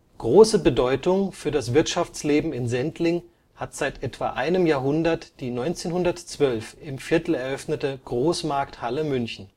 Große Bedeutung für das Wirtschaftsleben in Sendling hat seit etwa einem Jahrhundert die 1912 im Viertel eröffnete Großmarkthalle München